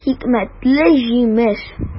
Хикмәтле җимеш!